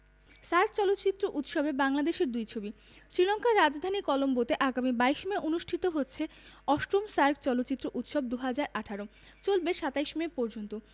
SAARC চলচ্চিত্র উৎসবে বাংলাদেশের দুই ছবি শ্রীলংকার রাজধানী কলম্বোতে আগামী ২২ মে অনুষ্ঠিত হচ্ছে ৮ম সার্ক চলচ্চিত্র উৎসব ২০১৮ চলবে ২৭ মে পর্যন্ত